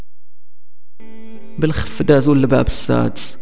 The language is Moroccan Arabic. ملخص الباب السادس